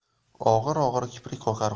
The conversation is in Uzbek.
og'ir og'ir kiprik qoqar